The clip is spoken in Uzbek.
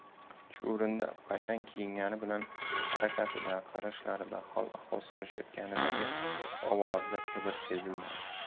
chuvrindi bashang kiyingani bilan harakatida qarashlarida hol ahvol so'rashayotganidagi ovozida kibr sezilmadi